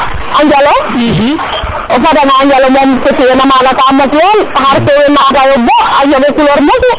o Njalo o fada nga o Njalo moom ke fiye na maga ka mos lool taxra ke way maka ya bo a njeng couleur mosu